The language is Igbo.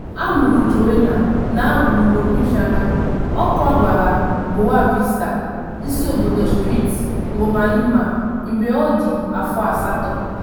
A mụrụ Joenia n'agbụrụ Wapichana, ọ kwagara Boa Vista, isiobodo steeti Roraima, mgbe ọ dị afọ asatọ.